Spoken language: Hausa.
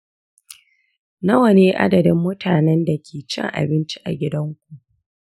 nawa ne adadin mutanen da ke cin abinci a gidanku?